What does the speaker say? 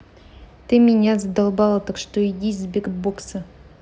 ты меня задолбала так что иди сбербокса